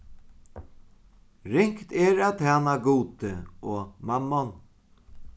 ringt er at tæna gudi og mammon